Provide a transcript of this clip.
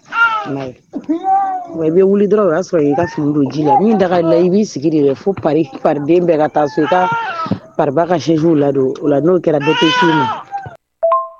I bɛ wuli dɔrɔn o y' sɔrɔ i ji la daga i la i b'i sigi de fo bɛ ka taa soba ka sinsiww la n'o kɛra